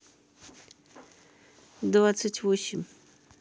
двадцать восемь